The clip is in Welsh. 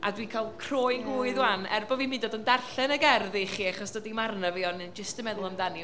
A dwi'n cael croen... ia. ...gwydd ŵan, er bod fi'm hyd yn oed yn darllen y gerdd i chi, achos dydi hi ddim arna fi ond yn just yn meddwl amdani.